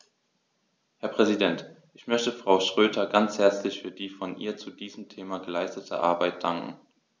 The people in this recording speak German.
Herr Präsident, ich möchte Frau Schroedter ganz herzlich für die von ihr zu diesem Thema geleistete Arbeit danken.